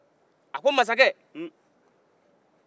a ko masakɛ